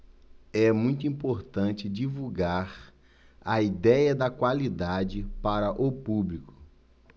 é muito importante divulgar a idéia da qualidade para o público